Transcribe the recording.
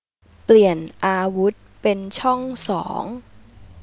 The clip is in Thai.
เปลี่ยนอาวุธเป็นช่องสอง